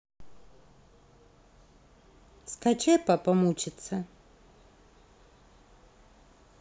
скачай папа мучится